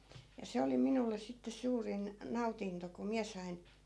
ja se oli minulle sitten suurin nautinto kun minä sain